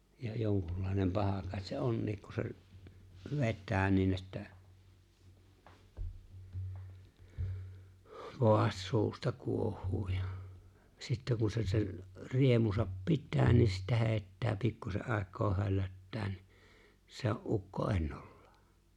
ja jonkunlainen paha kai se onkin kun se oli vetää niin että kovasti suusta kuohuu ja sitten kun se sen riemunsa pitää niin sitten heittää pikkuisen aikaa höllöttää niin se on ukko ennallaan